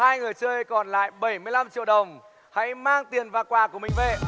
hai người chơi còn lại bảy mươi lăm triệu đồng hãy mang tiền và quà của mình về